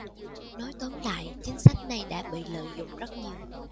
nói tóm lại chính sách này đã bị lợi dụng rất nhiều